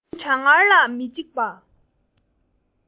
དགུན གྲང ངར ལ མི སྐྲག པ